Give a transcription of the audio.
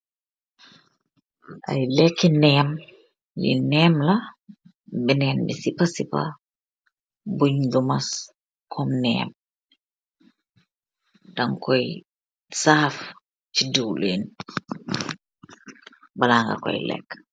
Ay leki neem li neem la benen bi sipa sipa bun lomos kom neem denkoi serve chi diwling bala ngako leka.